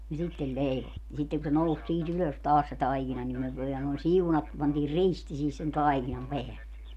ja sitten - ja sitten kun se nousi siitä ylös taas se taikina niin me vielä noin - pantiin risti siihen sen taikinan päälle